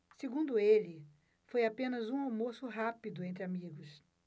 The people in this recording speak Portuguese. segundo ele foi apenas um almoço rápido entre amigos